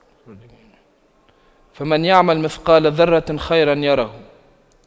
فَمَن يَعمَل مِثقَالَ ذَرَّةٍ خَيرًا يَرَهُ